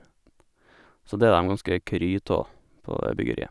Så det er dem ganske kry ta, på det byggeriet.